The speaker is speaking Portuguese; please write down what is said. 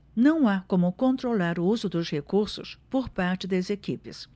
não há como controlar o uso dos recursos por parte das equipes